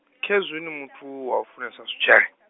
khezwi ni muthu wau funesa zwitshele?